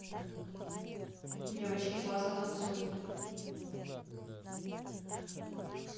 девочки классно танцуют